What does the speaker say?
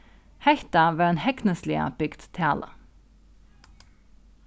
hetta var ein hegnisliga bygd tala